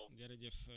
merci beaucoup